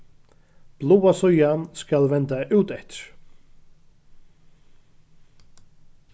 bláa síðan skal venda úteftir